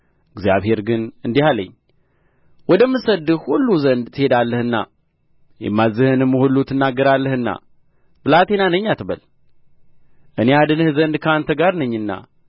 እግዚአብሔር ግን እንዲህ አለኝ ወደምሰድድህ ሁሉ ዘንድ ትሄዳለህና የማዝዝህንም ሁሉ ትናገራለህና ብላቴና ነኝ አትበል እኔ አድንህ ዘንድ ከአንተ ጋር ነኝና